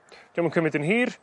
'di o'm yn cymyd yn hir